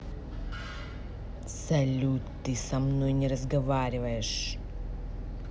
салют ты со мной не разговариваешь